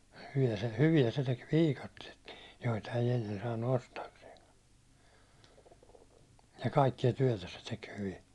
hyviä hyviä se teki viikatteetkin joita ei ennen saanut ostaakseen ja kaikkia työtä se teki hyvin